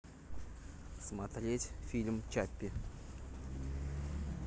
смотреть фильм чаппи